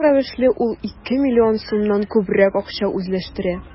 Шул рәвешле ул ике миллион сумнан күбрәк акча үзләштерә.